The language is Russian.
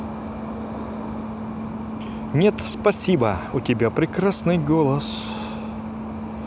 нет спасибо у тебя прекрасный голос